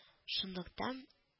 Шунлыктан